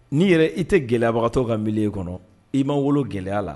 N'i yɛrɛ i tɛ gɛlɛyabagatɔw ka milieu kɔnɔ, i ma wolo gɛlɛya la